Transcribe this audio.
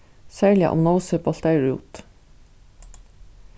serliga um nósi bóltaði rút